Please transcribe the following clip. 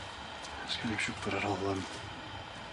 Sgin i'm siwgr ar ôl yym